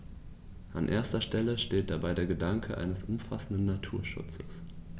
An erster Stelle steht dabei der Gedanke eines umfassenden Naturschutzes.